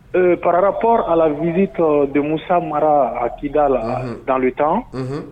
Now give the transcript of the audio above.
Parap a v tɔ denmusomusa mara a kida la dalu tan